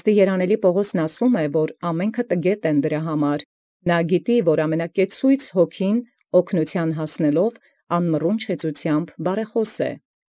Որով երանելին Պաւղոս ամենեցուն տգիտանալ ասէ, վասն որոյ զամենակեցոյց Հոգին ի թիկունս հասանել՝ անմռունչ հեծութեամբ բարեխաւս գիտէ։